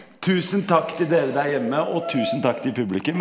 tusen takk til dere der hjemme og tusen takk til publikum.